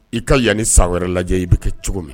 I ka yanni san wɛrɛ layɛ i be kɛ cogo min